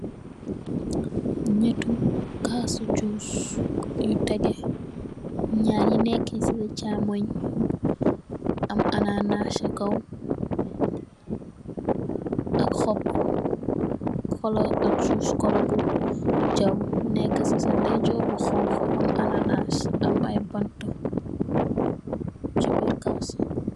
Nyetu kassi juice yu tegeh nyarri nekeh sey chamunj bi am annanas sey kaw ak hopp koloo juice, juice koloo bu jaw neka sey sa ndey jorr bu hunhu am annanas am i banta sey birr kass bi.